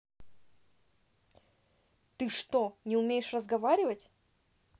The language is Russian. ты что не умеешь разговаривать